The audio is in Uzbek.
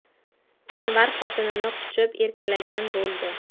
anvar xotinini quchib erkalagan bo'ldi